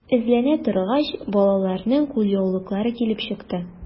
Эзләнә торгач, балаларның кулъяулыклары килеп чыкты.